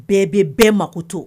Bɛɛ bɛ bɛɛ mako to